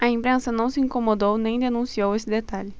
a imprensa não se incomodou nem denunciou esse detalhe